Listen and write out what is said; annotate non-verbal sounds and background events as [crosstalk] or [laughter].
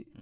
[hesitation]